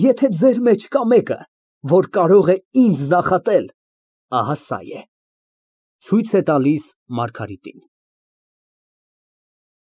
Եթե ձեր մեջ կա մեկը, որ կարող է ինձ նախատել, ահա սա է։ (Ցույց է տալիս Մարգարիտին)։